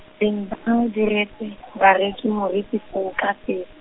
beng bano diretse, bareki moriti foo ka se-.